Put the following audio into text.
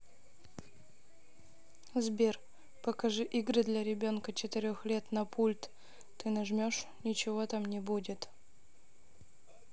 сбер покажи игры для ребенка четырех лет на пульт ты нажмешь ничего там не будет